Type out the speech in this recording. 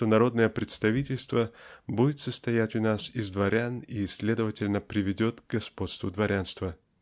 что народное представительство будет состоять у нас из дворян и следовательно приведет к господству дворянства.